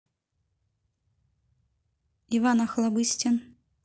иван охлобыстин